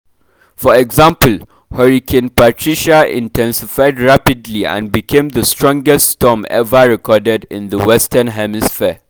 For example, Hurricane Patricia intensified rapidly and became the strongest storm ever recorded in the Western Hemisphere.